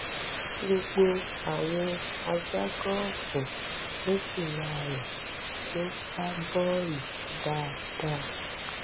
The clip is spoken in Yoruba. Gbogbo àwọn agbágọ́ọ̀fù 12 rẹ̀ lò gbá bọ́ọ̀lù dáadáa.